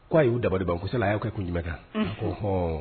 Ko a y'u dabali ban ko sala a y'o kɛ kun jumɛn kan, unhun, ko ɔɔ